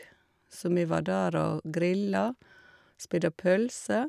Så vi var der og grilla, spidda pølser.